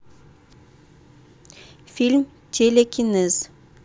фильм телекинез